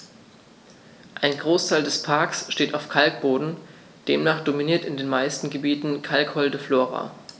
Ein Großteil des Parks steht auf Kalkboden, demnach dominiert in den meisten Gebieten kalkholde Flora.